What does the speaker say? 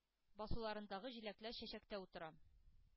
Басуларындагы җиләкләр чәчәктә утыра.